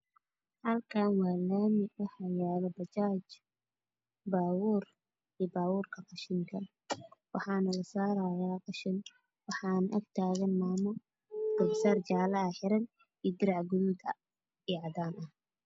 Waa laami waxaa taagan bajaaj gaari weyn oo ah gaariga qashinka qaado waxaa eg taagan mama wadato gabasaar jaalo iyo dirac guduud